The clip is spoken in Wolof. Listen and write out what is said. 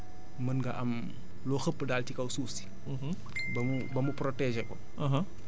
yooyu dafa nekk ay techniques yu nga xamante ni bu dee mën nga am loo xëpp daal ci kaw suuf si